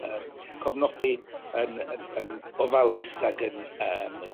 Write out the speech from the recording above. Yym cofnodi yn yn yn ofalus ag yn yym